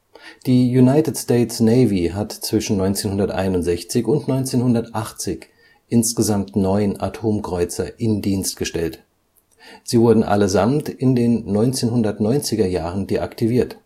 Die United States Navy hat zwischen 1961 und 1980 insgesamt neun Atomkreuzer in Dienst gestellt. Sie wurden allesamt in den 1990er Jahren deaktiviert